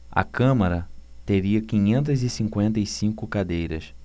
a câmara teria quinhentas e cinquenta e cinco cadeiras